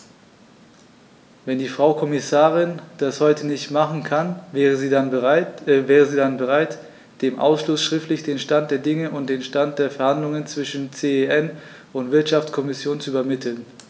Wenn die Frau Kommissarin das heute nicht machen kann, wäre sie dann bereit, dem Ausschuss schriftlich den Stand der Dinge und den Stand der Verhandlungen zwischen CEN und Wirtschaftskommission zu übermitteln?